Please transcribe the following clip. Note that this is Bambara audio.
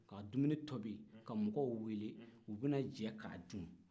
ka dumini tobi ka mɔgɔw wele u bɛ na jɛ k'a dun